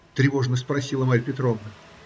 - тревожно спросила Марья Петровна.